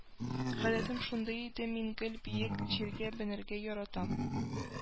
Гадәтем шундый иде, мин гел биек җиргә менәргә яратам